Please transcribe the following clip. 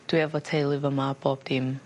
dwi efo teulu fyma a bob dim